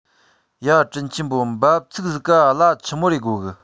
ཡ དྲིན ཆེན པོ འབབ ཚིགས ཟིག ག གླ ཆི མོ རེ དགོ གི